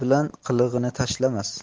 bilan qilig'ini tashlamas